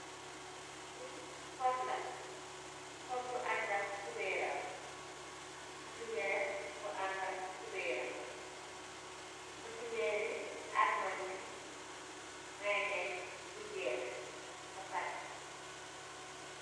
Lii pot la, pot bu anndak kubehram, poti wehrr bu aandak kubehram, poti wehrri armanti maynaise bu jekh beh pareh.